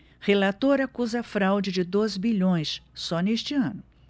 relator acusa fraude de dois bilhões só neste ano